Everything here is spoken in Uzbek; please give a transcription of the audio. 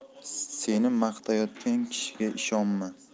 seni maqtayotgan kishiga ishonma